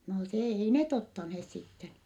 no se ei ne ottaneet sitten